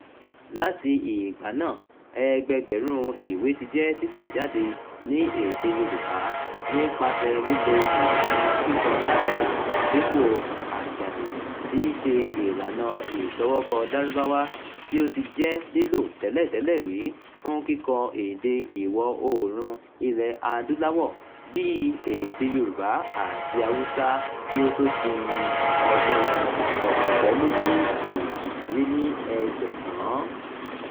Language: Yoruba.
Láti ìgbà náà, ẹgbẹẹgbẹ̀rún ìwé ti jẹ́ títẹ̀ jáde ní èdè Yorùbá nípasẹ̀ lílo ìlànà kíkọ Látíìnì dípò Ajami, tí í ṣe ìlànà ìṣọwọ́kọ Lárúbáwá tí ó ti jẹ́ lílò tẹ́lẹ̀tẹ́lẹ́ rí fún kíkọ èdè Ìwọ̀-oòrùn Ilẹ̀-Adúláwọ̀ bí i èdè Yorùbá àti Haúsá kí ó tó di 1843.